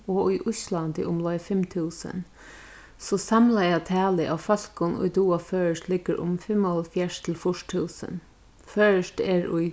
og í íslandi umleið fimm túsund so samlaða talið á fólkum ið duga føroyskt liggur um fimmoghálvfjerðs til fýrs túsund føroyskt er í